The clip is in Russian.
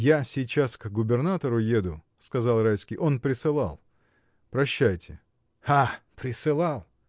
— Я сейчас к губернатору еду, — сказал Райский, — он присылал. Прощайте! присылал!